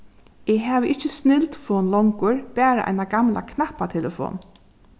eg havi ikki snildfon longur bara eina gamla knappatelefon